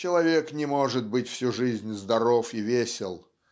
человек не может быть всю жизнь здоров и весел